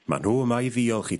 Ma' nhw yma i ddiolch i...